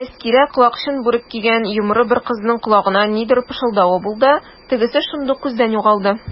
Тәзкирә колакчын бүрек кигән йомры бер кызның колагына нидер пышылдавы булды, тегесе шундук күздән югалды.